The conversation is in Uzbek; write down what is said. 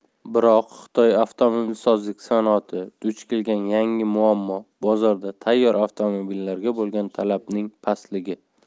biroq xitoy avtomobilsozlik sanoati duch kelgan yangi muammo bozorda tayyor avtomobillarga bo'lgan talabning pastligi